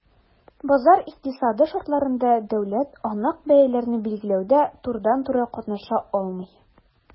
Базар икътисады шартларында дәүләт анык бәяләрне билгеләүдә турыдан-туры катнаша алмый.